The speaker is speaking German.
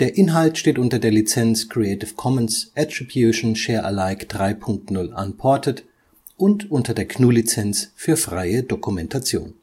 Inhalt steht unter der Lizenz Creative Commons Attribution Share Alike 3 Punkt 0 Unported und unter der GNU Lizenz für freie Dokumentation